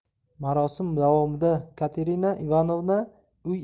marosim davomida katerina ivanovna